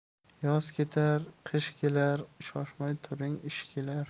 yoz ketar qish kelar shoshmay turing ish kelar